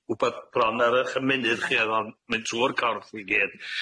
wbeth bron ar 'ych ymennydd chi, o'dd o'n mynd trw'r gorff i gyd.